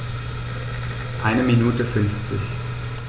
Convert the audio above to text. Eine Minute 50